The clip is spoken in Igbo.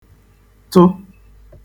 -tụ